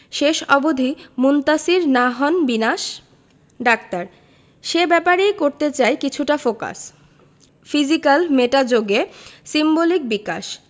শেষ অবধি মুনতাসীর না হন বিনাশ ডাক্তার সে ব্যাপারেই করতে চাই কিছুটা ফোকাস ফিজিক্যাল মেটা যোগে সিম্বলিক বিকাশ